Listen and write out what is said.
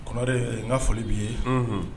Konare n ka foli bi ye. Unhun